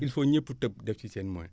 il faut ñépp tëb def ci seen moyen